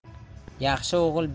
yaxshi o'g'il biylar ota molini